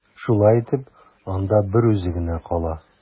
Шулай итеп, анда берүзе генә кала.